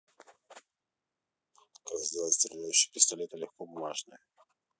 как сделать стреляющие пистолеты легко бумажные